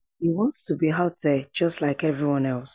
He wants to be out there, just like everyone else."